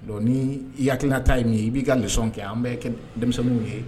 Don ni yatiina ta min ye i b'i ka nisɔn kɛ an bɛ kɛ denmisɛnw ye